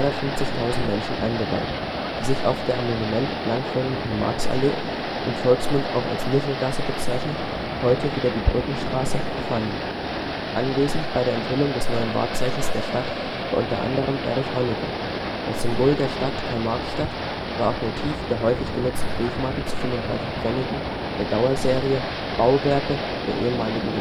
250.000 Menschen eingeweiht, die sich auf der am Monument entlang führenden Karl-Marx-Allee (im Volksmund auch als „ Nischelgasse “bezeichnet), heute wieder Brückenstraße, befanden. Anwesend bei der Enthüllung des neuen Wahrzeichens der Stadt war unter anderem Erich Honecker. Das Symbol der Stadt Karl-Marx-Stadt war auch Motiv der häufig genutzten Briefmarke zu 35 Pfennigen der Dauerserie „ Bauwerke “der ehemaligen